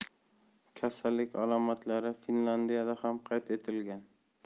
kasallik alomatlari finlyandiyada ham qayd etilgan